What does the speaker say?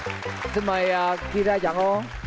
xin mời ki ra chọn ô